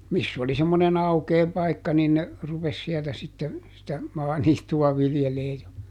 missä oli semmoinen aukea paikka niin ne rupesi sieltä sitten sitä maaniittyä viljelemään ja